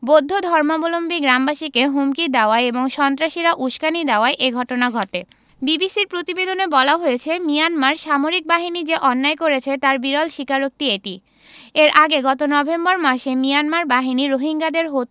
বৌদ্ধ ধর্মাবলম্বী গ্রামবাসীকে হুমকি দেওয়ায় এবং সন্ত্রাসীরা উসকানি দেওয়ায় এ ঘটনা ঘটে বিবিসির প্রতিবেদনে বলা হয়েছে মিয়ানমার সামরিক বাহিনী যে অন্যায় করেছে তার বিরল স্বীকারোক্তি এটি এর আগে গত নভেম্বর মাসে মিয়ানমার বাহিনী রোহিঙ্গাদের